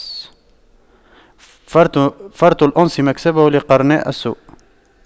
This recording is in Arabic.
فرط الأنس مكسبة لقرناء السوء